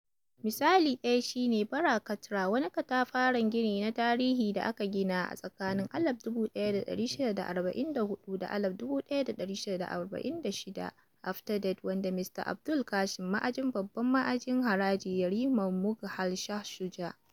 Misali ɗaya shi ne Bara Katra, wani katafaren gini na tarihi da aka gina a tsakanin 1644 da 1646 AD wanda Mir Abul ƙasim, ma'ajin (babban ma'ajin haraji) yariman Mughal Shah Shuja.